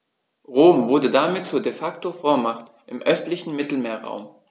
Rom wurde damit zur ‚De-Facto-Vormacht‘ im östlichen Mittelmeerraum.